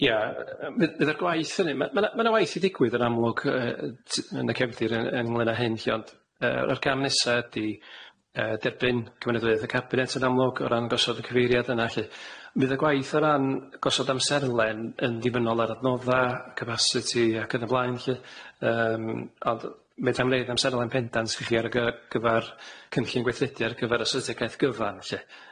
Ia yy yy fydd y gwaith yny ma' ma' na ma' na waith i ddigwydd yn amlwg yy yy t- yn y cefndir yy yy ynglŷn â hyn lly ond yy yr o gam nesa ydi yy derbyn cymeradwyaeth y cabinet yn amlwg o ran gosod y cyfeiriad yna lly. Fydd y gwaith o ran gosod amserlen yn ddibynnol ar adnodda, capacity ac yn y blaen lly yym ond yy medrai'm neud amserlen pendant s'ych chi ar y gy- gyfar cynllun gweithrediad ar gyfar asetigaeth gyfan lly.